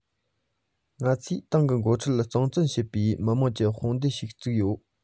ང ཚོས ཏང གིས འགོ ཁྲིད གཙང བཙན བྱེད པའི མི དམངས ཀྱི དཔུང སྡེ ཞིག བཙུགས ཡོད